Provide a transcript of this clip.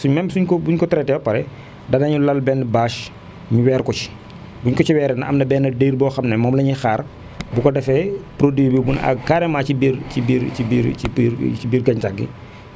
suñ même suñ ko bu ñu ko traité ba pare danañu lal benn bâche ñu weer ko si bu ñu ko si weeree nag am na benn diir boo xam ne moom la ñuy xaar bu ko defee produit bi bu mun a àgg carrement ci biir ci biir ci biir ci biir ci biir gàncax gi